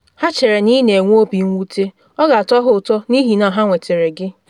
Ha chere na ị na enwe obi mwute, ọ ga-atọ ha ụtọ n’ihi na ha nwetara gị.”